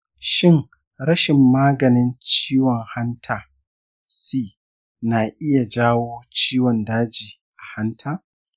shin rashin maganin ciwon hanta c na iya jawo ciwon daji a hanta?